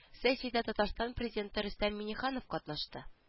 Сессиядә татарстан президенты рөстәм миңнеханов катнашты